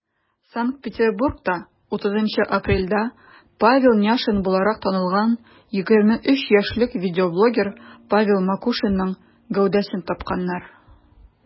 Санкт-Петербургта 30 апрельдә Павел Няшин буларак танылган 23 яшьлек видеоблогер Павел Макушинның гәүдәсен тапканнар.